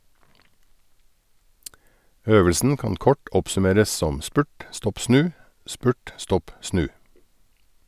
Øvelsen kan kort oppsummeres som "spurt, stopp, snu ; spurt, stopp, snu".